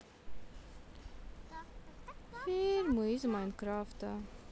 фильмы из майнкрафта